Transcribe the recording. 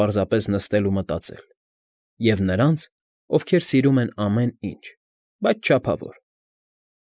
Պարզապես նստել ու մտածել, և՛ նրանց, ովքեր սիրում են ամեն ինչ, բայց չափավոր։